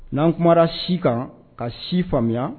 N'an kumara si kan ka si faamuya